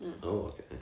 ww ocê